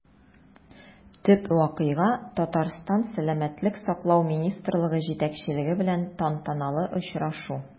Төп вакыйга – Татарстан сәламәтлек саклау министрлыгы җитәкчелеге белән тантаналы очрашу.